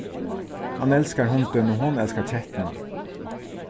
hann elskar hundin og hon elskar kettuna